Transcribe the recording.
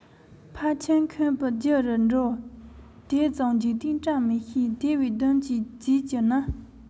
ཕལ ཆེར འཁོན པའི རྒྱུ རུ འགྲོ དེ བྱུང འཇིག རྟེན བཀྲ མི ཤིས དེ བས སྡུམ ཞིག བྱས གྱུར ན